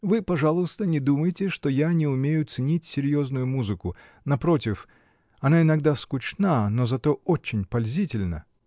Вы, пожалуйста, не думайте, что я не умею ценить серьезную музыку, -- напротив: она иногда скучна, но зато очень пользительна.